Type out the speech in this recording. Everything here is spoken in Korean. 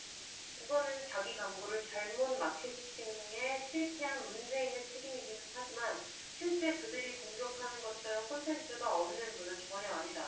그거는 자기 광고를 잘 못한 마케팅에 실패한 문재인의 책임이기는 하지만 실제 그들이 공격하는 것처럼 콘텐츠가 없는 분은 전혀 아니다